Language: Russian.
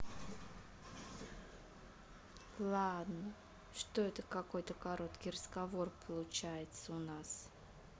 ладно что это какой то короткий разговор получается у нас